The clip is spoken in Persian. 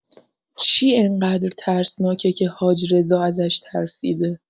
چی انقدر ترسناکه که حاج رضا ازش ترسیده؟